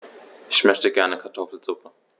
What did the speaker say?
Ich möchte gerne Kartoffelsuppe.